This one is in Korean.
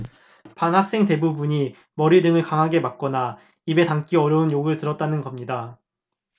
반 학생 대부분이 머리 등을 강하게 맞거나 입에 담기 어려운 욕을 들었다는 겁니다